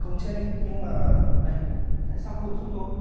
không chê nhưng mà này tại sao cô lại giúp tôi